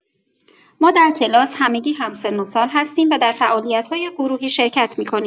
ما در کلاس همگی هم‌سن‌وسال هستیم و در فعالیت‌های گروهی شرکت می‌کنیم.